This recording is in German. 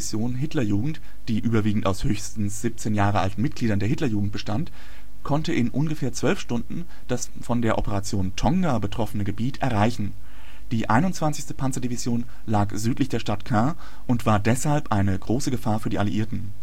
Hitlerjugend ", die überwiegend aus höchstens 17 Jahre alten Mitgliedern der Hitlerjugend bestand, konnte in ungefähr 12 Stunden das von der Operation Tonga betroffenen Gebiet erreichen. Die 21. Panzerdivision lag südlich der Stadt Caen und war deshalb eine große Gefahr für die Alliierten